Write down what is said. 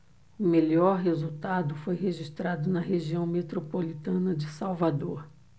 o melhor resultado foi registrado na região metropolitana de salvador